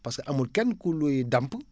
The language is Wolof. parce que amul kenn ku ñuy damp